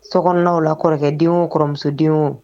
Sogw la kɔrɔkɛdenw o kɔrɔmusodenw wo